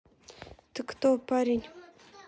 ты кто парень